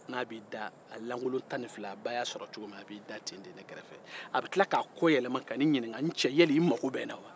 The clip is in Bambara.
n'a bi da a lankolon tannifila a ba y'a sɔrɔ cogo min a bɛ da ten de ne kɛrɛfɛ a bɛ tila ka kɔ yɛlɛma ka ne ɲininkan yala ne cɛ e mogo bɛ n na wa